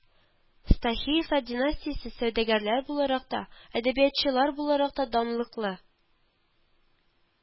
Стахеевлар династиясе сәүдәгәрләр буларак та, әдәбиятчылар буларак та данлыклы